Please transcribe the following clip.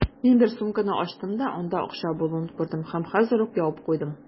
Мин бер сумканы ачтым да, анда акча булуын күрдем һәм хәзер үк ябып куйдым.